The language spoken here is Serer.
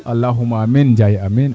alaxuma amiin Njaay amiin Njaay